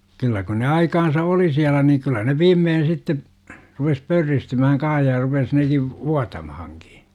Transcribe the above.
kyllä kun ne aikansa oli siellä niin kyllä ne viimeiseksi sitten rupesi pörristymään kanssa ja rupesi nekin vuotamaankin